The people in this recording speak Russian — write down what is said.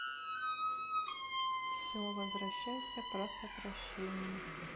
все возвращайся про сокращения